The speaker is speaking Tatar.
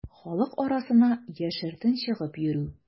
Халык арасына яшертен чыгып йөрү.